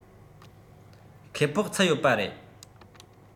ཁེ སྤོགས ཚུད ཡོད པ རེད